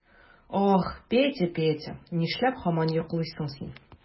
Ах, Петя, Петя, нишләп һаман йоклыйсың син?